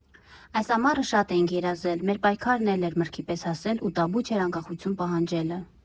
Այս ամառը շատ էինք երազել, մեր պայքարն էլ էր մրգի պես հասել, ու տաբու չէր Անկախություն պահանջելը։